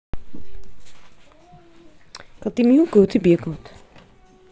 коты мяукают и бегают